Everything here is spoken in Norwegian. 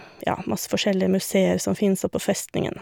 Ja, masse forskjellige museer som fins oppå festningen og...